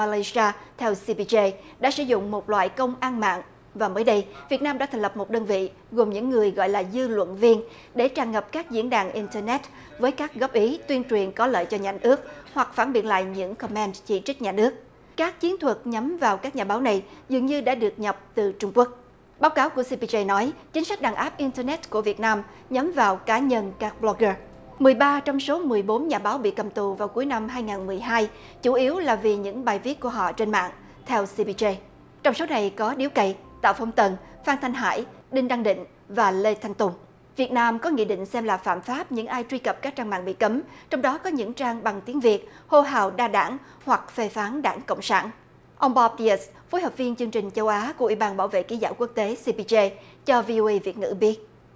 lay si a thầu si bi sây đã sử dụng một loại công an mạng và mới đây việt nam đã thành lập một đơn vị gồm những người gọi là dư luận viên để tràn ngập các diễn đàn in tơ nét với các góp ý tuyên truyền có lợi cho nhà nước hoặc phản biện lại những com men chỉ trích nhà nước các chiến thuật nhắm vào các nhà báo này dường như đã được nhập từ trung quốc báo cáo của sipri nói chính sách đàn áp in tơ nét của việt nam nhắm vào cá nhân các bờ lóc gơ mười ba trong số mười bốn nhà báo bị cầm tù vào cuối năm hai nghìn mười hai chủ yếu là vì những bài viết của họ trên mạng theo si bi sây trong số này có điếu cày tạ phong tần phan thanh hải đinh đăng định và lê thanh tùng việt nam có nghị định xem là phạm pháp những ai truy cập các trang mạng bị cấm trong đó có những trang bằng tiếng việt hô hào đa đang hoặc phê phán đảng cộng sản ông bo bia phối hợp viên chương trình châu á của ủy ban bảo vệ ký giả quốc tế si bi sây cho vi ô ây việt ngữ biết